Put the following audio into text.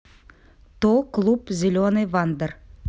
то club зеленый вандер